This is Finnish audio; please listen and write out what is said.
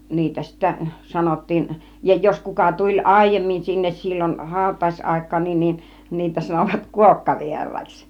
niitä sitten sanottiin ja jos kuka tuli aiemmin sinne silloin hautajaisaikaan niin niin niitä sanoivat kuokkavieraiksi